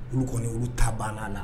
Olukɔ olu ta banna la